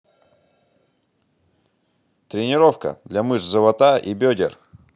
тренировка для мышц живота и бедер